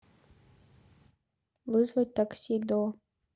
вызвать такси до